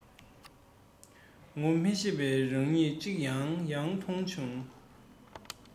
ངོ མི ཤེས པའི རང ཉིད ཅིག ཡང ཡང མཐོང ཡང